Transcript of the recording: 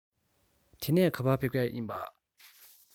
དེ ནས ག པར ཕེབས མཁན ཡིན པ